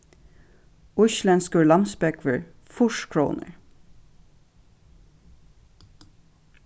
íslendskur lambsbógvur fýrs krónur